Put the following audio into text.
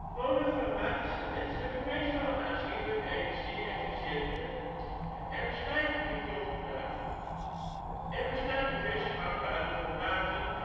Monochromatische leds hebben meestal een aanzienlijke energie-efficiëntie en slijten niet door gebruik. Er bestaan diverse gangbare formaten